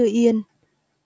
yên